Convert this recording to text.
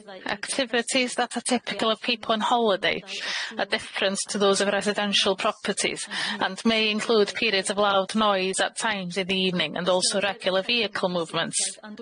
Activities that are typical of people on holiday, are difference to those of residential properties, and may include periods of loud noise at times in the evening and also regular vehicle movements.